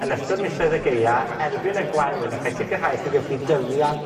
yn ystod misoedd y Gaea, erbyn y Gwanwyn, allai sicirhau i chi gewch chi dyfiant